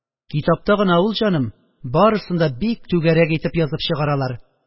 Китапта гына ул, җаным, барысын да бик түгәрәк итеп язып чыгаралар